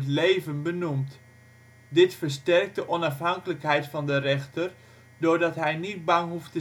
leven benoemd. Dit versterkt de onafhankelijkheid van de rechter, doordat hij niet bang